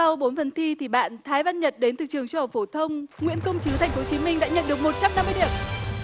sau bốn tuần thi thì bạn thái văn nhật đến từ trường trung học phổ thông nguyễn công trứ thành phố hồ chí minh đã nhận được một trăm năm mươi điểm